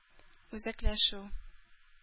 Үзәкләшү